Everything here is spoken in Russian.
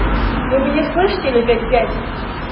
вы меня слышите или пять пять